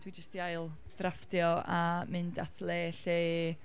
dwi jyst 'di ail-ddrafftio a mynd at le lle...